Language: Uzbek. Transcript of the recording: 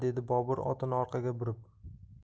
dedi bobur otini orqaga burib